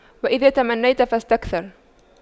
إذا تمنيت فاستكثر